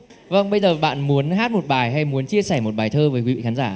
vâng bây giờ bạn muốn hát một bài hay muốn chia sẻ một bài thơ với quý vị khán giả